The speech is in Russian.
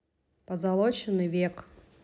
позолоченный век